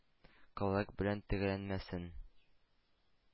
Коллык белән төгәлләнмәсен!